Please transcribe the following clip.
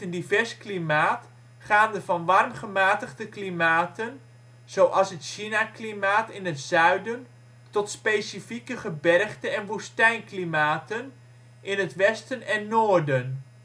divers klimaat, gaande van warm gematigde klimaten, zoals het chinaklimaat in het zuiden tot specifieke gebergte - en woestijnklimaten in het westen en noorden